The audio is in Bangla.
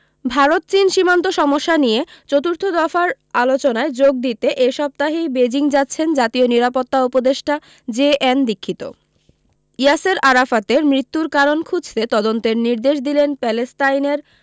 ভারত চীন সীমান্ত সমস্যা নিয়ে চতুর্থ দফার আলোচনায় যোগ দিতে এ সপ্তাহেই বেজিং যাচ্ছেন জাতীয় নিরাপত্তা উপদেষ্টা জে এন দীক্ষিত ইয়াসের আরাফতের মৃত্যুর কারণ খুঁজতে তদন্তের নির্দেশ দিলেন প্যালেস্তাইনের